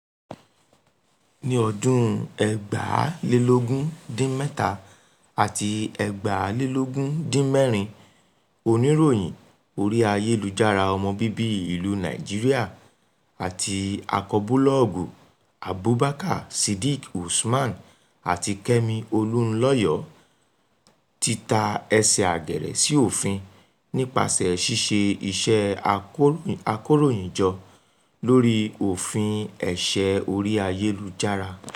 Ní ọdún 2017 àti 2016, oníròyìn orí-ayélujára ọmọ bíbí ìlú Nàìjíríà àti akọbúlọ́ọ̀gù Abubakar Sidiq Usman àti Kẹ́mi Olúnlọ́yọ̀ọ́ tí ta ẹsẹ̀ àgẹ̀rẹ̀ sí òfin nípasẹ̀ ṣíṣe iṣẹ́ ìkóròyìnjọ lóríi Òfin Ẹ̀ṣẹ̀ orí-ayélujára.